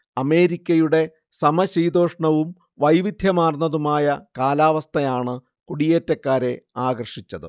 അമേരിക്കയുടെ സമശീതോഷ്ണവും വൈവിധ്യമാർന്നതുമായ കാലവസ്ഥയാണ് കൂടിയേറ്റക്കാരെ ആകർഷിച്ചത്